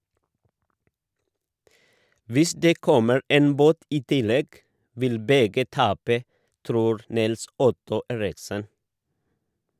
- Hvis det kommer en båt i tillegg, vil begge tape, tror Nils-Otto Eriksen.